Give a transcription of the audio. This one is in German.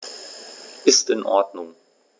Ist in Ordnung.